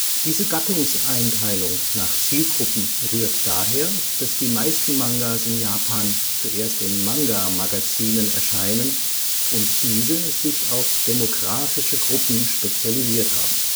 Diese Gattungseinteilung nach Zielgruppen rührt daher, dass die meisten Mangas in Japan zuerst in Manga-Magazinen erscheinen und diese sich auf demografische Gruppen spezialisiert haben